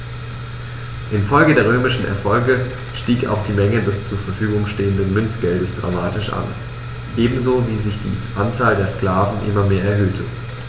Infolge der römischen Erfolge stieg auch die Menge des zur Verfügung stehenden Münzgeldes dramatisch an, ebenso wie sich die Anzahl der Sklaven immer mehr erhöhte.